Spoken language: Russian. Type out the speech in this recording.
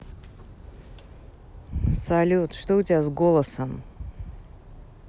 салют что у тебя с голосом